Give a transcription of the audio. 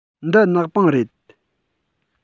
འདི ནག པང རེད